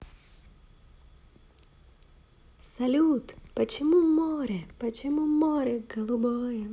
салют почему море почему море голубое